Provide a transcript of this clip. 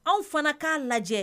Aw fana k'a lajɛ